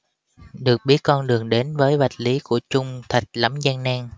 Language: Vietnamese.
được biết con đường đến với vật lý của trung thật lắm gian nan